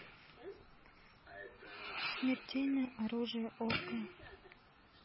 смертельное оружие окко